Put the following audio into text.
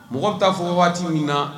Mɔgɔ bɛ taa fɔ wagati min na